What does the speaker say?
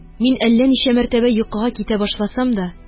Мин әллә ничә мәртәбә йокыга китә башласам да